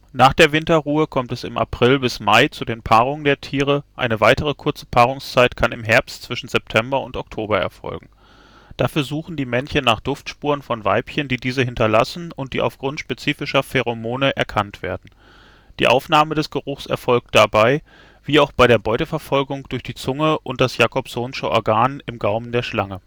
Nach der Winterruhe kommt es im April bis Mai zu den Paarungen der Tiere, eine weitere kurze Paarungszeit kann im Herbst zwischen September und Oktober erfolgen. Dafür suchen die Männchen nach Duftspuren von Weibchen, die diese hinterlassen und die aufgrund spezifischer Pheromone erkannt werden. Die Aufnahme des Geruchs erfolgt dabei, wie auch bei der Beuteverfolgung, durch die Zunge und das Jacobsohnsche Organ im Gaumen der Schlange